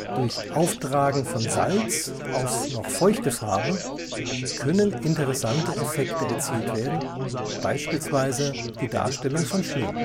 Durch Auftragen von Salz auf noch feuchte Farbe können interessante Effekte erzielt werden, beispielsweise die Darstellung von Schnee